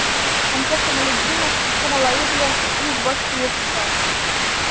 Хәмзә Камалетдинов ике малае белән 200 баш сыер тота.